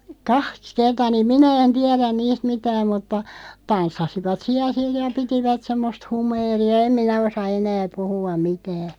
kaksi kertaa niin minä en tiedä niistä mitään mutta tanssivat siellä sitten ja pitivät semmoista humeeria en minä osaa enää puhua mitään